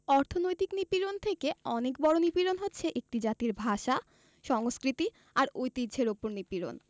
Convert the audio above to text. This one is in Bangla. অর্থনৈতিক নিপীড়ন থেকে অনেক বড়ো নিপীড়ন হচ্ছে একটি জাতির ভাষা সংস্কৃতি আর ঐতিহ্যের ওপর নিপীড়ন